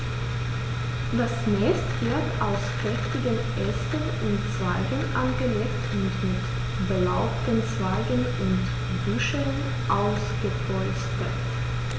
Das Nest wird aus kräftigen Ästen und Zweigen angelegt und mit belaubten Zweigen und Büscheln ausgepolstert.